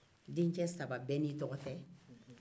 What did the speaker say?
dencɛ saba bɛɛ n'i tɔgɔ tɛ